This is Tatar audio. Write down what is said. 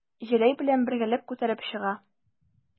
Җәләй белән бергәләп күтәреп чыга.